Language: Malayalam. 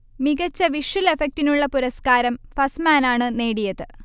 മികച്ച വിഷ്വൽ എഫക്ടിനുള്ള പുരസ്ക്കാരം ഫസ്റ്റ്മാനാണ് നേടിയത്